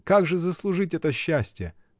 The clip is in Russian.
— Как же заслужить это счастье?